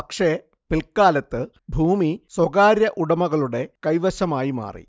പക്ഷേ പിൽക്കാലത്ത് ഭൂമി സ്വകാര്യ ഉടമകളുടെ കൈവശമായി മാറി